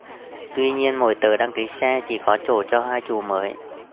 tuy nhiên mỗi tờ đăng ký xe chỉ có chỗ cho hai chủ mới